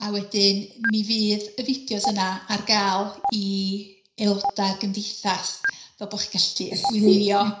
A wedyn mi fydd y fideos yna ar gael i aelodau'r gymdeithas, fel bod chi'n gallu gwylio.